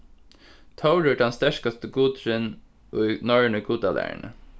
tórur tann sterkasti gudurin í norrønu gudalæruni